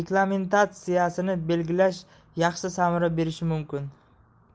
reglamentatsiyasini belgilash yaxshi samara berishi mumkin